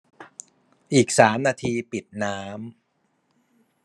อีกสามนาทีปิดน้ำ